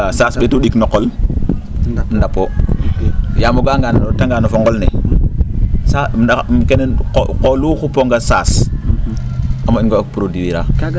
walaa saas ?etuu?ik no o qol ndap oo yaam o ga'angaan o retanga no fo nqol ne sax kene o qol oluu xupoonga saas a mo?ongo produire a